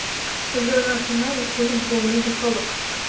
Үлгән артыннан үлеп булмый, ди халык.